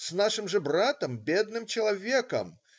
с нашим же братом - бедным человеком!